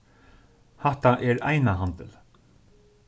hatta er einahandil